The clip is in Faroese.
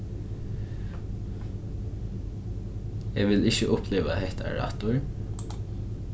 eg vil ikki uppliva hetta aftur